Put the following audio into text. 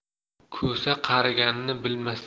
ko'sa qariganini bilmas